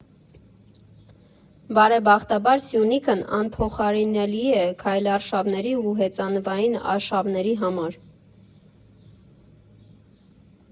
Բարեբախտաբար, Սյունիքն անփոխարինելի է քայլարշավների ու հեծանվային արշավների համար։